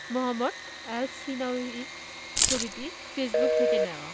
মোহাম্মদ এলসহিনাউয়ির ছবিটি ফেসবুক থেকে নেওয়া